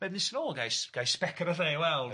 Ma' efnisen o, gai s- ga'i sbec ar y lle i weld